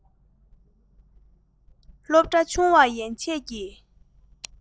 སློབ གྲྭ ཆུང བ ཡན ཆད ཀྱི